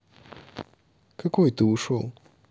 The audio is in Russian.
какой ты ушел